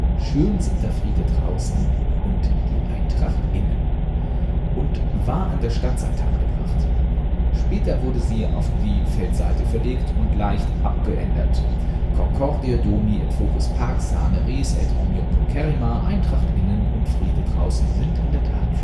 Schön sind der Friede draußen und die Eintracht innen – 1585 “) und war an der Stadtseite angebracht. Später wurde sie auf die Feldseite verlegt und leicht abgeändert (Concordia domi et foris pax sane res est omnium pulcherrima, „ Eintracht innen und Friede draußen sind in der Tat